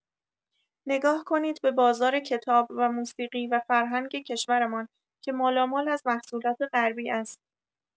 نگاه کنید به بازار کتاب و موسیقی و فرهنگ کشورمان که مالامال از محصولات غربی است.